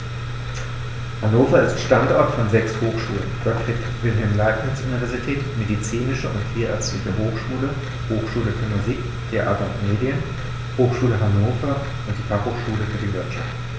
Hannover ist Standort von sechs Hochschulen: Gottfried Wilhelm Leibniz Universität, Medizinische und Tierärztliche Hochschule, Hochschule für Musik, Theater und Medien, Hochschule Hannover und die Fachhochschule für die Wirtschaft.